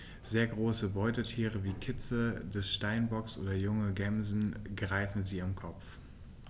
Sehr große Beutetiere wie Kitze des Steinbocks oder junge Gämsen greifen sie am Kopf.